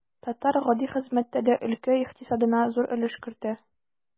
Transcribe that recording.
Татар гади хезмәттә дә өлкә икътисадына зур өлеш кертә.